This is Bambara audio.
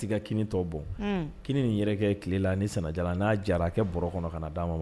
Bon' nin yɛrɛ kɛ tilela ni sina n'a jara a kɛ b kɔnɔ ka d'a ma